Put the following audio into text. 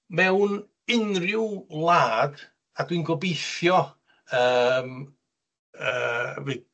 Mewn unryw wlad, a dwi'n gobithio yym yy fydd...